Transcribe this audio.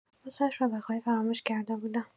راستش را بخواهید فراموش کرده بودم.